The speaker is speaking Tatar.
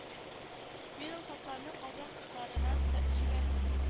Мин ул хатларны казан утлары на да җибәрдем